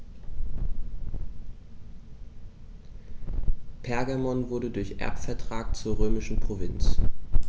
Pergamon wurde durch Erbvertrag zur römischen Provinz.